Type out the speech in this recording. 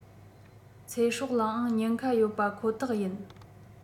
ཚེ སྲོག ལའང ཉེན ཁ ཡོད པ ཁོ ཐག ཡིན